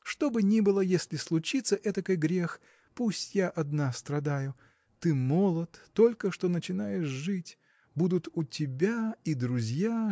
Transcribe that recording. что бы ни было, если случится этакой грех, пусть я одна страдаю. Ты молод только что начинаешь жить будут у тебя и друзья